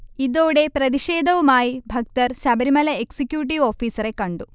ഇതോടെ പ്രതിഷേധവുമായി ഭക്തർ ശബരിമല എക്സിക്യൂട്ടീവ് ഓഫീസറെ കണ്ടു